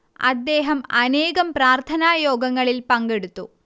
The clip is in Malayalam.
അദ്ദേഹം അനേകം പ്രാർത്ഥനാ യോഗങ്ങളിൽ പങ്കെടുത്തു